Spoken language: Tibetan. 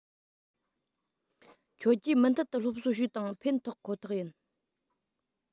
ཁྱོད ཀྱིས མུ མཐུད དུ སློབ གསོ བྱོས དང ཕན ཐོགས ཁོ ཐག ཡིན